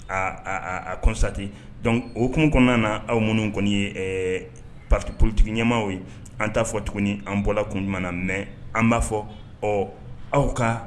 Aa a a a constater donc o hokumu kɔɔna naa aw munnu kɔni ye ɛɛ parti politique ɲɛmaw ye an t'a fɔ tuguni an' bɔla kun jumɛn na mais an b'a fɔ ɔɔ aw kaa